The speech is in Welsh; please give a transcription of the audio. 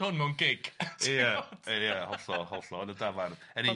Ia ia hollol hollol, yn y dafarn, yn union.